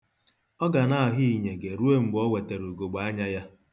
Ọ ga na-ahụ inyege ruo mgbe o wetara ugegbe anya ya.